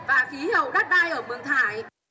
và khí hậu đất đai ở mường thải